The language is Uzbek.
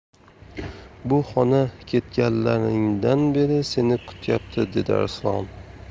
bu xona ketganlaringdan beri seni kutyapti dedi arslon